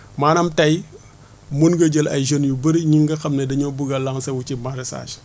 maanaam tey mun nga jël ay jeunes yu bëri ñu nga xam ne dañoo bugg a lancer wu ci maraîchage